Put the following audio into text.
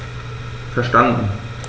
Verstanden.